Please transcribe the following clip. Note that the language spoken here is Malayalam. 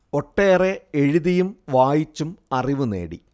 ഒട്ടേറെ എഴുതിയും വായിച്ചും അറിവ് നേടി